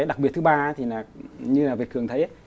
đặc biệt thứ ba thì là như là việc thường thấy